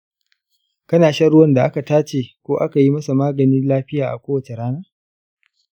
kana shan ruwan da aka tace ko aka yi masa magani lafiya a kowace rana?